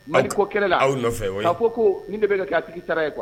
Maliko kɛlɛ la, aw nɔfɛ oui aw ko nin de bɛ ka kɛ a tigi sara ye quoi _